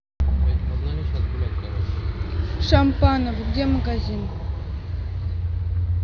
shampanov где магазин